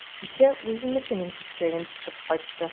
Кичә үзенекенең көпчәген тишеп кайтты.